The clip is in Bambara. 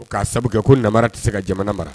O k'a sabu ko nanbara tɛ se ka jamana mara